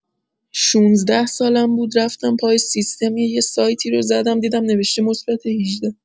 ۱۶ سالم بود رفتم پای سیستم یه سایتی رو زدم دیدم نوشته مثبت ۱۸